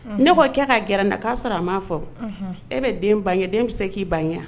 Ne k'o k'a ka gɛrɛ n na a k'a sɔrɔ a man fɔ e bɛ den bange den bɛ se k'i ba